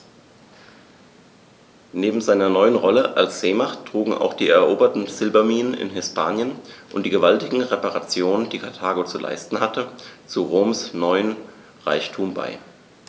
Neben seiner neuen Rolle als Seemacht trugen auch die eroberten Silberminen in Hispanien und die gewaltigen Reparationen, die Karthago zu leisten hatte, zu Roms neuem Reichtum bei.